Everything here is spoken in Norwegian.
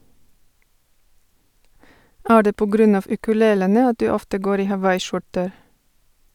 - Er det på grunn av ukulelene at du ofte går i hawaiiskjorter?